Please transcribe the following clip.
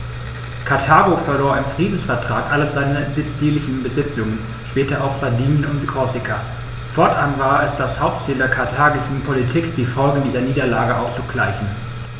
Karthago verlor im Friedensvertrag alle seine sizilischen Besitzungen (später auch Sardinien und Korsika); fortan war es das Hauptziel der karthagischen Politik, die Folgen dieser Niederlage auszugleichen.